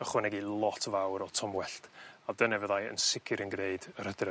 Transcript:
ychwanegu lot fawr o tomwellt a dyne fyddai yn sicir yn gneud yr ydref